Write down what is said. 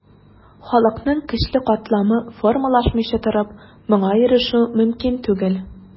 Халыкның көчле катламы формалашмыйча торып, моңа ирешү мөмкин түгел.